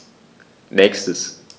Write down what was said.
Nächstes.